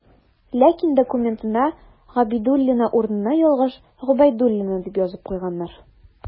Ләкин документына «Габидуллина» урынына ялгыш «Гобәйдуллина» дип язып куйганнар.